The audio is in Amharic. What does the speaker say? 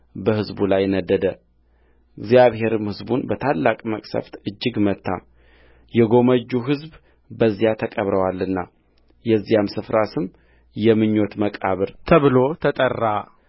በሕዝቡ ላይ ነደደ እግዚአብሔርም ሕዝቡን በታላቅ መቅሠፍት እጅግ መታየጐመጁ ሕዝብ በዚያ ተቀብረዋልና የዚያ ስፍራ ስም የምኞት መቃብር ተብሎ ተጠራ